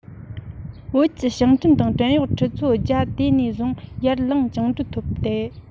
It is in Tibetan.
བོད ཀྱི ཞིང བྲན དང བྲན གཡོག ཁྲི ཚོ བརྒྱ དེ ནས བཟུང ཡར ལངས བཅིངས འགྲོལ ཐོབ སྟེ